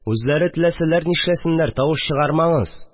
Үзләре теләсәләр нишләсеннәр, тавыш чыгармаңыз